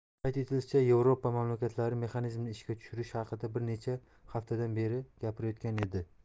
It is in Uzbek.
qayd etilishicha yevropa mamlakatlari mexanizmni ishga tushirish haqida bir necha haftadan beri gapirayotgan edi